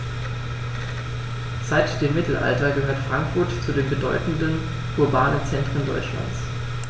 Seit dem Mittelalter gehört Frankfurt zu den bedeutenden urbanen Zentren Deutschlands.